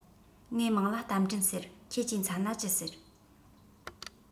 ངའི མིང ལ རྟ མགྲིན ཟེར ཁྱེད ཀྱི མཚན ལ ཅི ཟེར